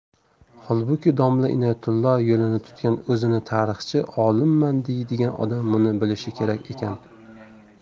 holbuki domla inoyatullo yo'lini tutgan o'zini tarixchi olimman deydigan odam buni bilishi kerak ekan